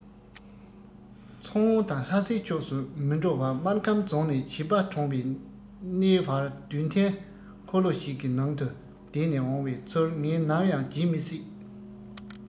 མཚོ སྔོན དང ལྷ སའི ཕྱོགས སུ མི འགྲོ བ སྨར ཁམས རྫོང ནས བྱིས པ གྲོངས བའི གནས བར འདུད འཐེན འཁོར ལོ ཞིག གི ནང དུ བསྡད ནས འོང བའི ཚུལ ངས ནམ ཡང བརྗེད མི སྲིད